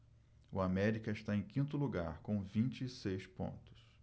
o américa está em quinto lugar com vinte e seis pontos